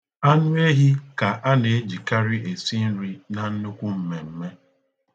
Anụehi ka a na-ejikari esi nri na nnukwu mmemme.